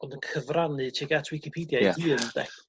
ond yn cyfrannu tuag at Wicipidia...ia.... i hun de